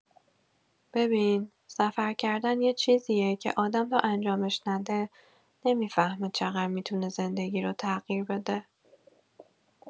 ببین، سفر کردن یه چیزیه که آدم تا انجامش نده، نمی‌فهمه چقدر می‌تونه زندگی رو تغییر بده.